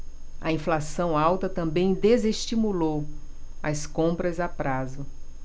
a inflação alta também desestimulou as compras a prazo